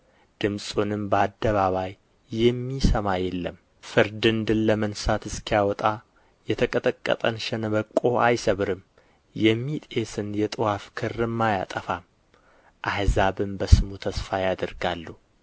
ድምፁንም በአደባባይ የሚሰማ የለም ፍርድን ድል ለመንሣት እስኪያወጣ የተቀጠቀጠን ሸምበቆ አይሰብርም የሚጤስን የጥዋፍ ክርም አያጠፋም አሕዛብም በስሙ ተስፋ ያደርጋሉ